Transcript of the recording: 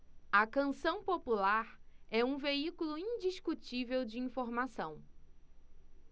a canção popular é um veículo indiscutível de informação